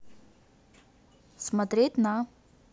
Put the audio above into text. смотреть на